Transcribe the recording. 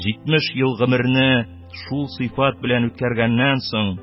Җитмеш ел гомерне шул сыйфат белән үткәргәннән соң